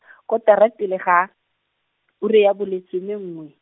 kotara pele ga , ura ya bolesomenngwe.